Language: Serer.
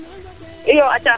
iyo aca